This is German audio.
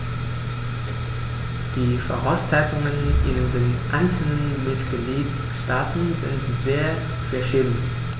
Die Voraussetzungen in den einzelnen Mitgliedstaaten sind sehr verschieden.